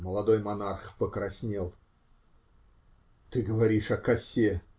Молодой монарх покраснел: -- Ты говоришь о косе.